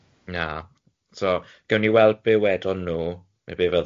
Na, so gawn ni weld be wedon nhw neu be fyddan nhw'n